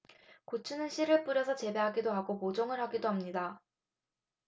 고추는 씨를 뿌려서 재배하기도 하고 모종을 하기도 합니다